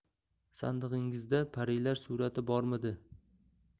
sandig'ingizda parilar surati bormidi